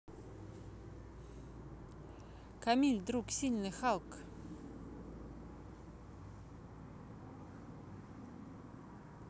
камиль друг сильный халк